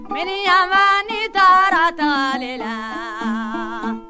miniyanba n'i taara taa le la